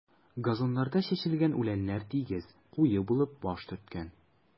Газоннарда чәчелгән үләннәр тигез, куе булып баш төрткән.